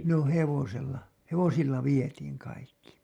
no hevosella hevosilla vietiin kaikki